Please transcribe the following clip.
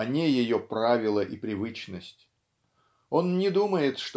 а не ее правило и привычность. Он не думает